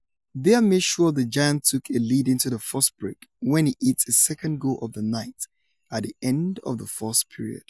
Dwyer made sure the Giants took a lead into the first break when he hit his second goal of the night at the end of the first period.